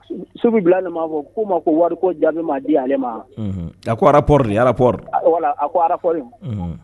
Su bila ma fɔ k'u ma ko wari ko ja ne ma di ale a ko alaɔɔriri alaɔri a ko alari